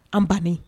An bannen